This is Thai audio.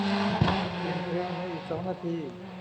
เปลี่ยนเพลงในอีกสองนาที